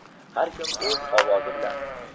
har kim o'z ovozi bilan